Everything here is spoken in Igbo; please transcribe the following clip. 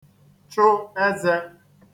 chụ ezē